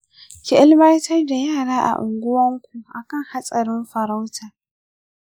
ki ilimantarda yara a unguwanku akan hatsarin farauta.